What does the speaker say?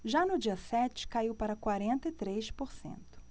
já no dia sete caiu para quarenta e três por cento